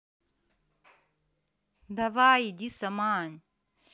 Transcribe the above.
давай иди сама